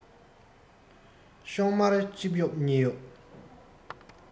ལག ཤོག དམར གཅིག གཡོབ གཉིས གཡོབ